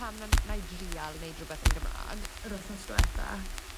pam na- nâi drial neud rwbeth yn Gymra'g yr wthnos dwetha